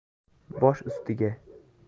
bosh ustiga